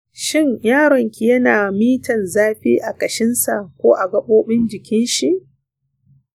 shin yaronki yana mitan zafi a kashinsa ko a gabobin jikin shi?